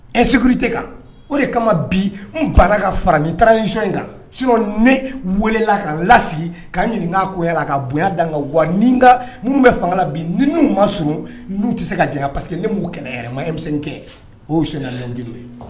Ɛsiurri tɛ kan o de kama bi n baara ka fara ni taara nisɔn in kan s ne weelela ka lasigi k'a ɲininka n' ko la ka bonya dan kan wa ni minnu bɛ fanga bi ni n ma sun n' tɛ se ka jan paseke ni'u yɛrɛ ma yemisɛn kɛ o senden ye